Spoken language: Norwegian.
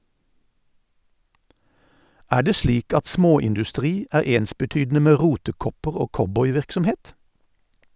Er det slik at småindustri er ensbetydende med rotekopper og cowboy-virksomhet?